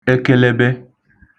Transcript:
ekelebe